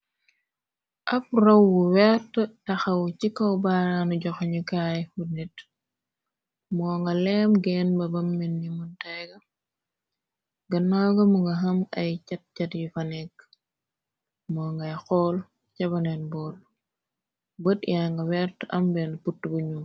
ab raw wu weert taxaw ci kaw-baaraanu joxe nu kaay ur nit moo nga leem génn ba bam menni mu teega gënna ga mu nga xam ay cat-cat yu fanekk ,moo ngay xool cabanen boot bët yaang weert ambeen put buñum.